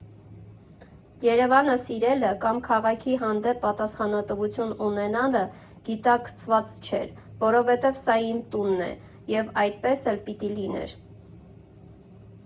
Երևանը սիրելը, կամ քաղաքի հանդեպ պատասխանատվություն ունենալը գիտակցված չէր, որովհետև սա իմ տունն է ու այդպես էլ պիտի լիներ։